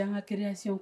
Yan ka kiereya se